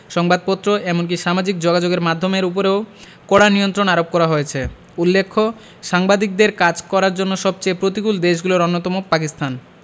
সংবাদপত্র এমনকি সামাজিক যোগাযোগের মাধ্যমের উপরেও কড়া নিয়ন্ত্রণ আরোপ করা হয়েছে উল্লেখ্য সাংবাদিকদের কাজ করার জন্য সবচেয়ে প্রতিকূল দেশগুলোর অন্যতম পাকিস্তান